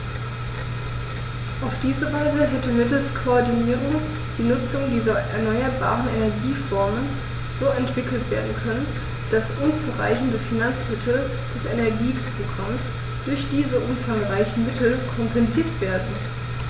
Auf diese Weise hätte mittels Koordinierung die Nutzung dieser erneuerbaren Energieformen so entwickelt werden können, dass unzureichende Finanzmittel des Energieprogramms durch diese umfangreicheren Mittel kompensiert werden.